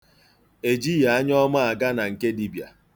Ejighi anyọọma aga na nke dibịa.